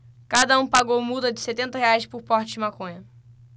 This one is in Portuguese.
cada um pagou multa de setenta reais por porte de maconha